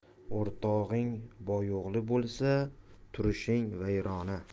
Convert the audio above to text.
o'rtog'ing boyo'g'li bo'lsa turishing vayrona